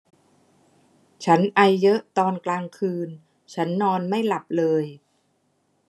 ฉันไอเยอะตอนกลางคืนฉันนอนไม่หลับเลย